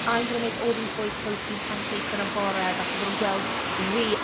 And I’m going to make all these boys protein pancakes yn y bore, felly bod nhw'n gweld fi.